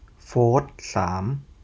โฟธสาม